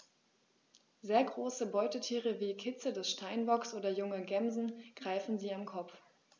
Sehr große Beutetiere wie Kitze des Steinbocks oder junge Gämsen greifen sie am Kopf.